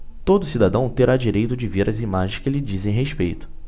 todo cidadão terá direito de ver as imagens que lhe dizem respeito